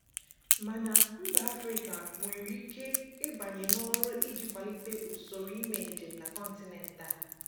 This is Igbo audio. Mana, mba Afrịka nwere ike ịbanye n'ọrụ iji kwalite usoro ime njem na kọntinent a.